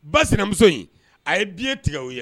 Ba sinamuso in a ye bi ye tigɛ o ye